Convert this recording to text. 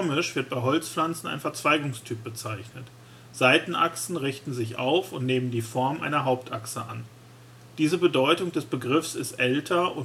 wird bei Holzpflanzen ein Verzweigungstyp bezeichnet: Seitenachsen richten sich auf und nehmen die Form einer Hauptachse an. Diese Bedeutung des Begriffs ist älter